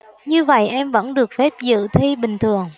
như vậy em vẫn được phép dự thi bình thường